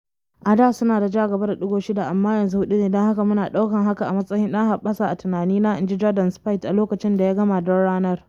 “A da suna da ja gaba na ɗigo shida kuma yanzu huɗu ne, don haka muna ɗaukan hakan a matsayin dan hoɓɓasa a tunanina,” inji Jordan Spieth a lokacin da ya gama don ranar.